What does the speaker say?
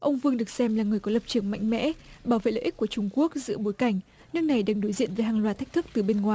ông vương được xem là người có lập trường mạnh mẽ bảo vệ lợi ích của trung quốc giữa bối cảnh nước này đứng đối diện với hàng loạt thách thức từ bên ngoài